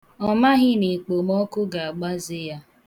Ọ maghị na ekpomọọkụ ga-agbaze ya.